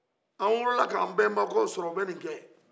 anw wolola ka anw bɛnbakɛw sɔrɔ u bɛ ni kɛ